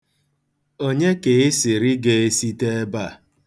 Onye ka ị sịrị ga-esite ebe a?